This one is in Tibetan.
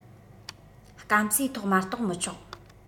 སྐམ སའི ཐོག མ གཏོག མི ཆོག